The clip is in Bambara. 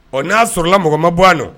Ɔ n'a sɔrɔlala mɔgɔ ma bɔ a don